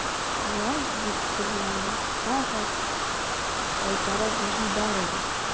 Алай бик кызгансагыз, кайтарып җибәрегез.